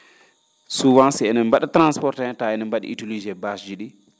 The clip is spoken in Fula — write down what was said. souvent si enen mba?a transporté han taa enen mba?i utilisé bache ji ?i